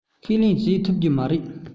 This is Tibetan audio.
ཁས ལེན བྱེད ཐུབ ཀྱི མ རེད